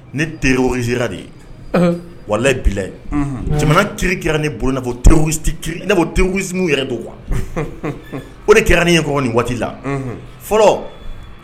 Ne teri sera de ye wala bila jamana t kɛra ne bolo ne ko teumu yɛrɛ don o de kɛra ne ye kɔ ni waati la fɔlɔ